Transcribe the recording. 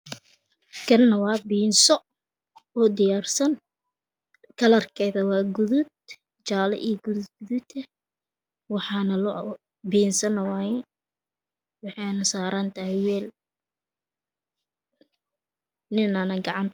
Kane wa binso oo diyarsan kalarkedu wa gudud jallo iyo gudud gudah eh waxana binsana wayo waxayne sarantahay wel Nina gacanta